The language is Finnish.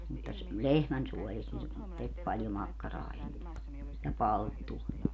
mutta - lehmänsuolista ne teki paljon makkaraa ennen ja palttua